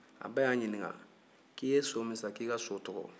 a ba y'a ɲininka ko i ye so min san ko i ka so tɔgɔ